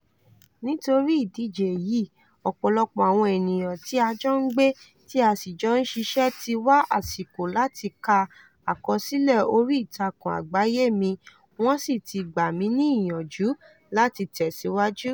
Nítorí ìdíje yìí, ọ̀pọ̀lọpọ̀ àwọn ènìyàn tí a jọ ń gbé tí a sì jọ ń ṣiṣẹ́ tí wá àsìkò láti ka àkọsílẹ̀ orí ìtàkùn àgbáyé mi wọ́n sì ti gbà mí níyànjú láti tẹ̀síwájú.